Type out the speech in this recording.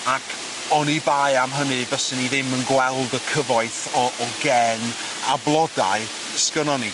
ac oni bai am hynny byswn i ddim yn gweld y cyfoeth o o gen a blodau sgynnon ni.